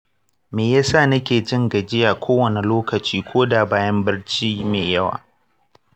me ya sa nake jin gajiya kowane lokaci ko da bayan barci me yawa?